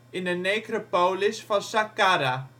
in de necropolis van Saqqara